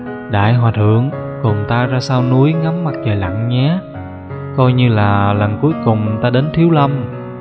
đại hòa thượng cùng ta ra sao núi ngắm mặt trời lặn nhé coi như là lần cuối cùng ta đến thiếu lâm